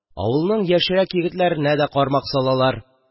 Авылның яшьрәк егетләренә дә кармак салалар